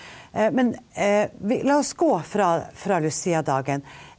men vi la oss gå fra fra Luciadagen.